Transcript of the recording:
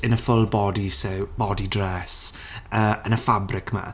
in a full bodysui- body dress yy yn y fabric 'ma.